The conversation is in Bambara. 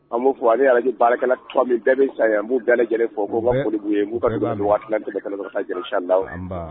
A b' fɔ ani ni ara baarakɛla tu min bɛɛ bɛ sa n' bɛɛ fɔ